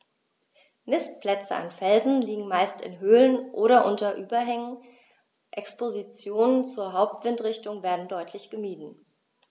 Nistplätze an Felsen liegen meist in Höhlungen oder unter Überhängen, Expositionen zur Hauptwindrichtung werden deutlich gemieden.